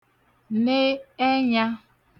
ne ẹnyā